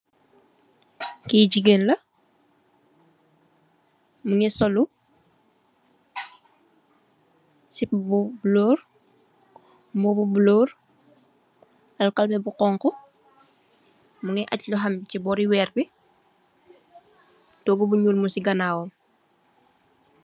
Kii jigeen la, mingi solu, sippu bu bulor, mbubu bu bulor, ak kalpe bu xonxu, mingi aj loxom bi si boori weer bi, toogu bu nyuul mingi si gannawam.